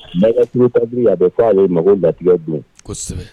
Mati ka a bɛ k' aleale ye mago latigɛya dun